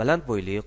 baland bo'yli